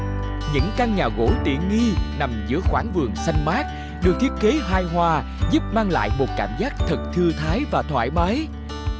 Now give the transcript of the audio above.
những căn nhà gỗ tiện nghi nằm giữa khoảng vườn xanh mát được thiết kế hài hòa giúp mang lại một cảm giác thật thư thái và thoải mái